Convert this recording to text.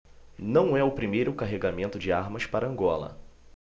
não é o primeiro carregamento de armas para angola